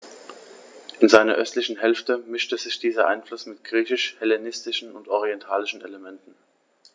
In seiner östlichen Hälfte mischte sich dieser Einfluss mit griechisch-hellenistischen und orientalischen Elementen.